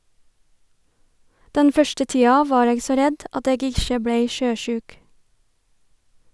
Den første tida var eg så redd at eg ikkje blei sjøsjuk.